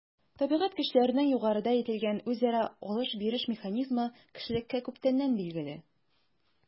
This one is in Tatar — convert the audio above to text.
Табигать көчләренең югарыда әйтелгән үзара “алыш-биреш” механизмы кешелеккә күптәннән билгеле.